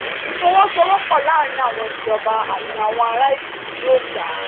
Ìfọwọ́sowọ́pọ̀ láàárín àwọn ìjọba àti àwọn ará-ìlú ni yóò gbà.